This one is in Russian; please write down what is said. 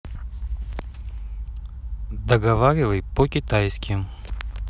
договаривай по китайски